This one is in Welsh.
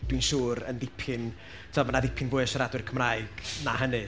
dwi'n siŵr, yn dipyn, tibod ma' 'na ddipyn fwy o siaradwyr Cymraeg 'na hynny.